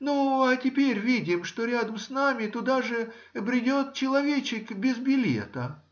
— Ну а теперь видим, что рядом с нами туда же бредет человечек без билета.